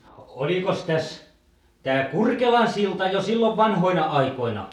olikos tässä tämä Kurkelansilta jo silloin vanhoina aikoina